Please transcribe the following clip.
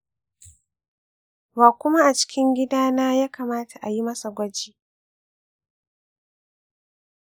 wa kuma a cikin gidana ya kamata a yi masa gwaji?